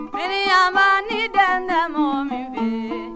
miniyanba ni den tɛ mɔgɔ min fɛ